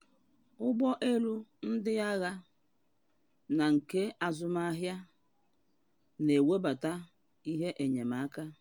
Ụgbọ elu ndị agha na nke azụmahịa na ewebata ihe enyemaka.